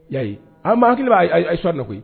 Ya an ma hakili b' ayisu koyi